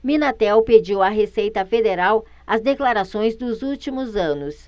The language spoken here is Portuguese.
minatel pediu à receita federal as declarações dos últimos anos